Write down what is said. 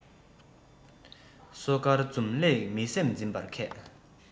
སོ དཀར འཛུམ ལེགས མི སེམས འཛིན པར མཁས